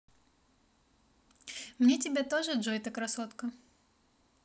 мне тебя тоже джойта красотка